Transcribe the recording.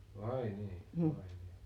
vai niin vai niin